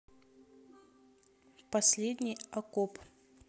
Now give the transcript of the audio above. последний окоп